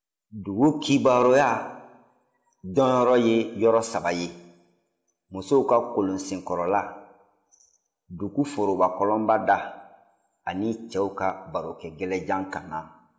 dugu kibaruya dɔnyɔrɔ ye yɔrɔ saba ye musow ka kolonsenkɔrɔla dugu forobakɔlɔnba da ani cɛw ka barokɛgɛlɛjan kanna